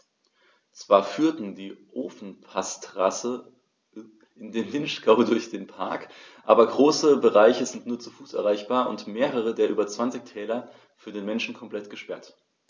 Zwar führt die Ofenpassstraße in den Vinschgau durch den Park, aber große Bereiche sind nur zu Fuß erreichbar und mehrere der über 20 Täler für den Menschen komplett gesperrt.